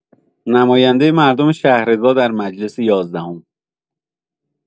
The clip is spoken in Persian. نماینده مردم شهرضا در مجلس یازدهم